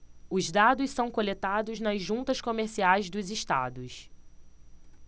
os dados são coletados nas juntas comerciais dos estados